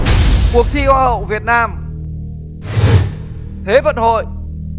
cuộc thi hoa hậu việt nam thế vận hội